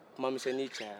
kuman misɛnnin cayara